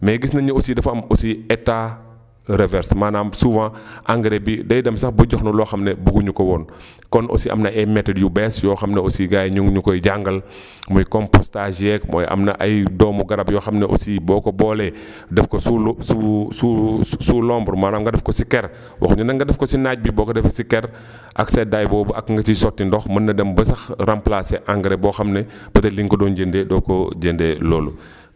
mais gis nañu ne aussi dafa am aussi état reverse maanaam souvent engrais bi day dem sax ba jox la loo xam ne bëgguñu ko woon kon aussi am na ay méthodes yu bees yoo xam ne aussi gars yi ñu ngi ñu koy jàngal muy compostage yeeg mooy am na ay doomu garab yoo xam ne aussi boo ko boolee def ko sous sous sous l' ombre maanaam nga def ko si ker waxuñu nag nga def ko si naaj bi boo ko defee si ker ak seddaay boobu ak nga siy sotti ndox mën na dem ba sax remplacer engrais boo xam ne peut être li nga ko doon jëndee doo koo jëndee loolu